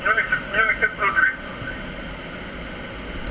ñu ne ñu ne seen produit yi